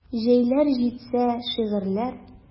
Җәйләр җитсә: шигырьләр.